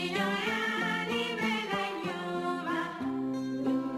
sigiɲɔgɔnya n'i bɛ na ɲuman